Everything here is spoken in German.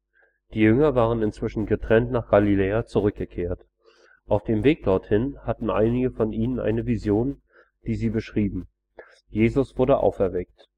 Die Jünger waren inzwischen getrennt nach Galiläa zurückgekehrt. Auf dem Weg dorthin hatten einige von ihnen eine Vision, die sie beschrieben: Jesus wurde auferweckt